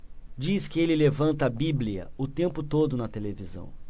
diz que ele levanta a bíblia o tempo todo na televisão